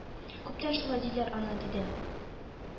-күптән шулай диләр аны,- диде.